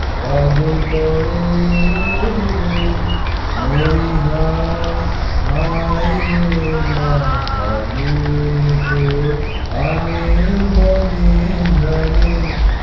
পাগল করে মরিহায় হায়রে ওমা ফাগুনে তোর আমের বনে ঘ্রাণে